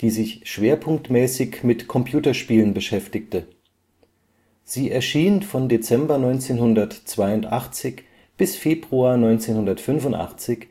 die sich schwerpunktmäßig mit Computerspielen beschäftigte. Sie erschien von Dezember 1982 bis Februar 1985